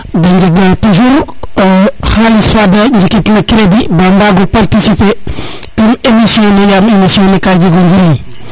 de njega toujours xalis fa de njikid na crédit ba mbago participer no émission ne yaam émission ne ka jego njiriñ